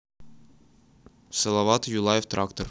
салават юлаев трактор